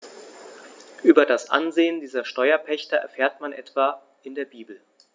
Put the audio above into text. Über das Ansehen dieser Steuerpächter erfährt man etwa in der Bibel.